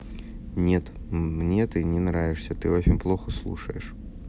нет мне ты мне не нравишься ты очень плохо слушаешь